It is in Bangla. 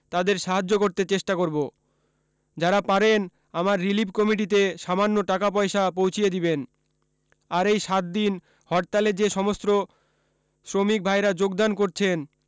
তাদের সাহায্য করতে চেষ্টা করব যারা পারেন আমার রিলিফ কমিটিতে সামান্য টাকা পয়সা পৌঁছিয়ে দিবেন আর এই সাতদিন হরতালে যে সমস্ত শ্রমিক ভাইরা যোগদান করছেন